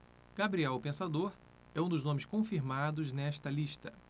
gabriel o pensador é um dos nomes confirmados nesta lista